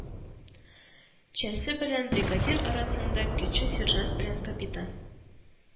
Чесе белән бригадир арасында кече сержант белән капитан